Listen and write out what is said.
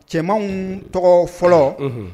Cɛman tɔgɔ fɔlɔ